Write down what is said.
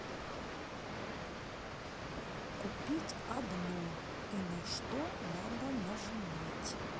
купить одно и на что надо нажимать